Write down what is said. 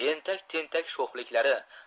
entak tentak sho'xliklari